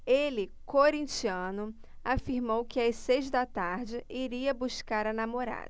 ele corintiano afirmou que às seis da tarde iria buscar a namorada